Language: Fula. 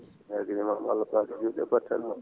eyyi a ñaganama Allah balɗe judɗe e battane moƴƴe